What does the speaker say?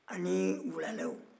ani wulalɛw